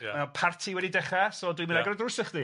Ia. Ma' 'na parti wedi dechra, so dwi'm yn agor y drws i chdi.